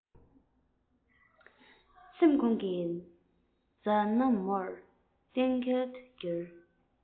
སེམས ཁོང གི མཛའ ན མོར གཏན འགལ དུ གྱུར